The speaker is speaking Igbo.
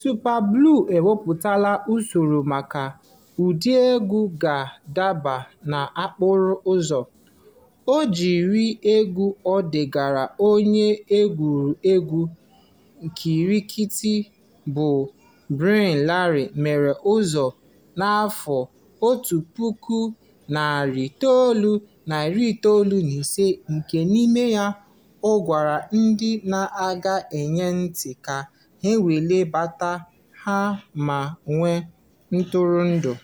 Super Blue ewepụtaala usoro maka ụdị egwu ga-adaba n'okporo ụzọ: o jiri egwu o degara onye egwuregwu kịrịkeetị bụ Brian Lara merie ọzọ na 1995, nke n'ime ya ọ gwara ndị na-ege ya ntị ka ha "welie baatị ha ma nwee ntụrụndụ".